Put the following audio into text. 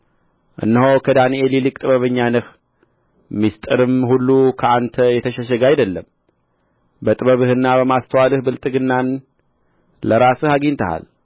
እነሆ ከዳንኤል ይልቅ ጥበበኛ ነህ ምሥጢርም ሁሉ ከአንተ የተሸሸገ አይደለም በጥበብህና በማስተዋልህ ብልጥግናን ለራስህ አግኝተሃል